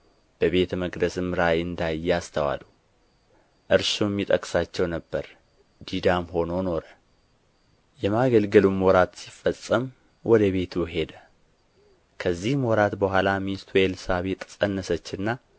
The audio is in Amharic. በቤተ መቅደስም ራእይ እንዳየ አስተዋሉ እርሱም ይጠቅሳቸው ነበር ድዳም ሆኖ ኖረ የማገልገሉም ወራት ሲፈጸም ወደ ቤቱ ሄደ ከዚህም ወራት በኋላ ሚስቱ ኤልሳቤጥ ፀነሰችና